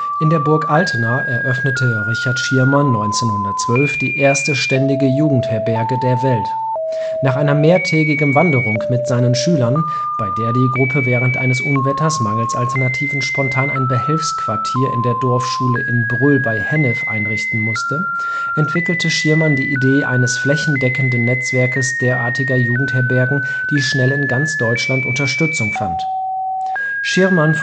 In der Burg Altena eröffnete Richard Schirrmann 1912 die erste ständige Jugendherberge der Welt. Nach einer mehrtägigen Wanderung mit seinen Schülern, bei der die Gruppe während eines Unwetters mangels Alternativen spontan ein Behelfsquartier in der Dorfschule in Bröl (Hennef) einrichten musste, entwickelte Schirrmann die Idee eines flächendeckenden Netzwerkes derartiger Jugendherbergen, die schnell in ganz Deutschland Unterstützung fand. Schirrmann